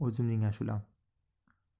o'zimning ashulam